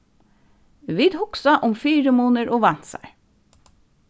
vit hugsa um fyrimunir og vansar